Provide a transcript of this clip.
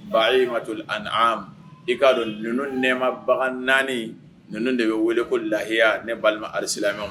Ba ma cogo i'a dɔn nɛma bagan naani ninnu de bɛ wele ko lahiya ne balima alisala